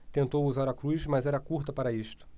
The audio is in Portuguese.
tentou usar a cruz mas era curta para isto